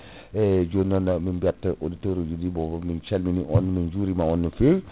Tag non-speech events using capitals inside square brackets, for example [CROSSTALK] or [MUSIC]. [BREATH] eyyi jonnon min biyat auditeur uji ɗi bon min calmini mon min juurima on no feewi